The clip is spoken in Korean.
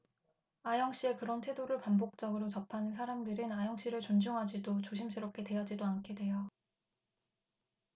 아영씨의 그런 태도를 반복적으로 접하는 사람들은 아영씨를 존중하지도 조심스럽게 대하지도 않게 돼요